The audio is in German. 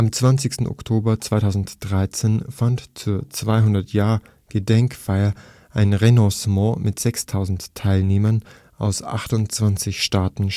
20. Oktober 2013 fand zur 200-Jahr-Gedenkfeier ein Reenactment mit 6000 Teilnehmern aus 28 Staaten